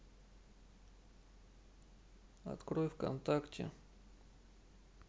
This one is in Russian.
открой вконтакте